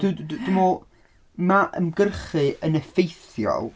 D- d- dwi'n meddwl mae ymgyrchu yn effeithiol...